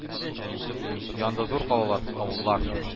Янды зур калалар ш, авыллар.